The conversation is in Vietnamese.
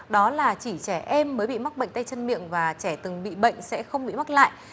đó là chỉ trẻ em mới bị mắc bệnh tay chân miệng và trẻ từng bị bệnh sẽ không bị mắc lại